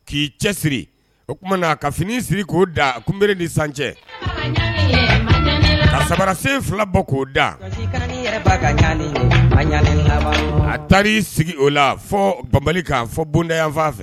K'i cɛ siri o tumaumana na ka fini siri k'o da kunbri ni sancɛ ka samarasen fila bɔ k'o da a taa'i sigi o la fo ban ka fɔ bontan fan fɛ